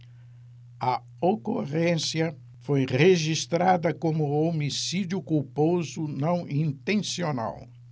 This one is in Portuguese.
a ocorrência foi registrada como homicídio culposo não intencional